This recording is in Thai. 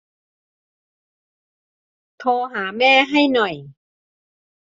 โทรหาแม่ให้หน่อย